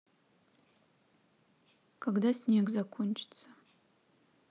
когда снег закончится